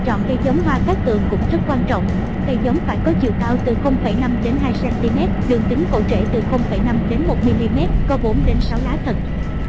việc chọn cây giống hoa cát tường cũng rất quan trọng cây giống phải có chiều cao từ cm đường kính cổ rễ từ mm có lá thật